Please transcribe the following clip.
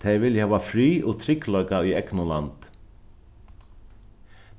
tey vilja hava frið og tryggleika í egnum landi